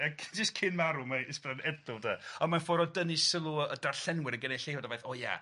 ac jyst cyn marw mae Ysbyddadan edliw de on' mae'n ffor o dynnu sylw y y darllenwyr y gynulleidfa o ia